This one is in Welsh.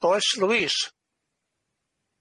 Oes, Louise.